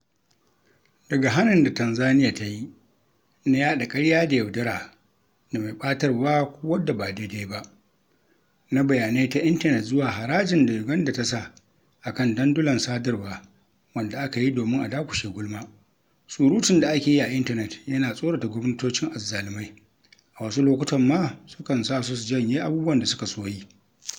Daga hanin da Tanzaniya ta yi na yaɗa "ƙarya da yaudara da mai ɓatarwa ko wadda ba daidaiba" na bayanai ta intanet zuwa harajin da Uganda ta sa a kan dandulan sadarwa wanda aka yi domin a dakushe "gulma", surutun da ake yi a intanet yana tsorata gwamnatocin azzalumai. A wasu lokutan ma sukan sa su su janye abubuwan da suka so yi.